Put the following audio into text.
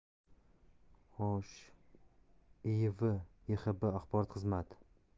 iiv yhxb axborot xizmati